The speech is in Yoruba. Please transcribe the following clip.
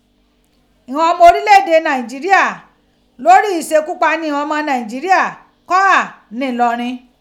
Ighan ọmọ orilẹ ede Naijiria lori isekupani ighan ọmọ Naijiria ko gha ni Ilọrin.